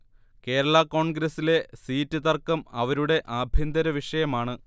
കേരള കോണ്ഗ്രസിലെ സീറ്റ് തര്ക്കം അവരുടെ ആഭ്യന്തര വിഷയമാണ്